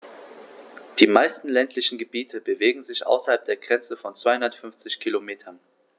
Die meisten ländlichen Gebiete bewegen sich außerhalb der Grenze von 250 Kilometern.